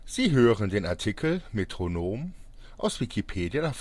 Sie hören den Artikel Metronom, aus Wikipedia